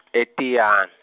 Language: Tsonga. e- Tiyani.